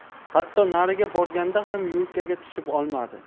hatto nariga borganda ham yo'lkaga tushib olmadi